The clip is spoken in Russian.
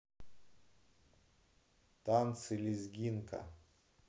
танцы лезгинка